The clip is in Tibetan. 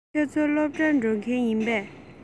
ཁྱེད ཚོ སློབ གྲྭར འགྲོ མཁན ཡིན པས